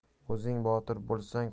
o'zing botir bo'lsang